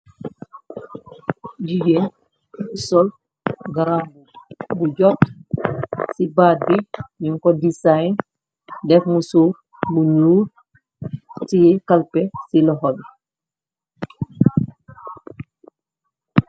jigéen sol grambo bu jott ci baat bi ñu ko design def mu suuf bu ñuu ci kalpe ci luxobi